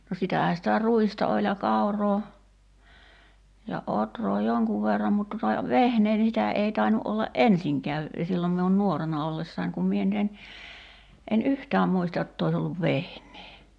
no sitähän sitä ruista oli ja kauraa ja ohraa jonkun verran mutta tuota vehnää niin sitä ei tainnut olla ensinkään silloin minun nuorena ollessani kun minä nyt en en yhtään muista jotta olisi ollut vehnää